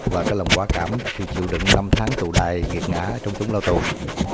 và lòng quả cảm sự chịu đựng lăm tháng tù đầy nghiệt ngã trong chốn lao tù